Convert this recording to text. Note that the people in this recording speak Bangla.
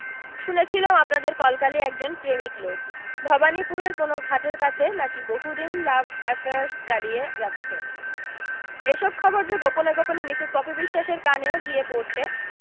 শুনেছিলাম আপনাদের কলকালি একজন প্রেমিক লোক ভবানিপুরের কোনো ঘাটের কাছে নাকি বহুদিন লাভ অ্যাফেয়ার্স চালিয়ে যাচ্ছে এসব খবর যে গোপনে গোপনে মিসেস পপি বিশ্বাসের কানেও গিয়ে পৌঁছে